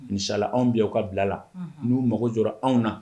Misiala anw bɛ yan u ka bila la unhun n'u mago jɔra anw na